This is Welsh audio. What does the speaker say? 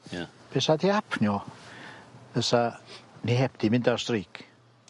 Ia. Be' sa di apnio fysa neb 'di mynd ar streic.